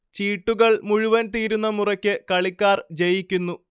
ചീട്ടുകൾ മുഴുവൻ തീരുന്ന മുറയ്ക്ക് കളിക്കാർ ജയിക്കുന്നു